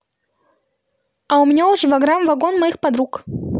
а у меня уже ваграм вагон моих подруг